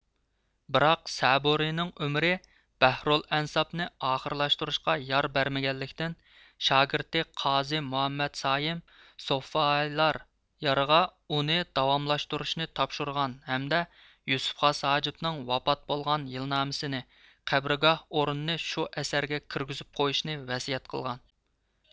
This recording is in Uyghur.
بىراق سەبۇرىنىڭ ئۆمرى بەھرۇل ئەنساب نى ئاخىرلاشتۇرۇشقا يار بەرمىگەنلىكتىن شاگىرتى قازى مۇھەممەد سايىم سوفىئاللار يارىغا ئۇنى داۋاملاشتۇرۇشنى تاپشۇرغان ھەمدە يۈسۈپ خاس ھاجىپنىڭ ۋاپات بولغان يىلنامىسىنى قەبرىگاھ ئورنىنى شۇ ئەسەرگە كىرگۈزۈپ قويۇشنى ۋەسىيەت قىلغان